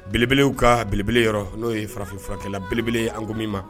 Belebelew ka belebele yɔrɔ n'o ye farafin furakɛkɛla belebele ankomi ma